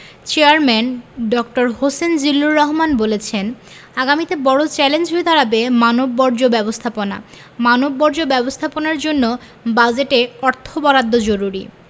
chairman ড হোসেন জিল্লুর রহমান বলেছেন আগামীতে বড় চ্যালেঞ্জ হয়ে দাঁড়াবে মানববর্জ্য ব্যবস্থাপনা মানববর্জ্য ব্যবস্থাপনার জন্য বাজেটে অর্থ বরাদ্দ জরুরি